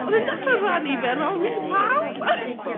Oedd e’n dechrau rhannu fe rownd pawb!